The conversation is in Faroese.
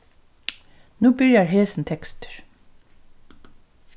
nú byrjar hesin tekstur